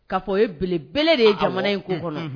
K'a fɔ ye belebele de ye jamana in ko kɔnɔ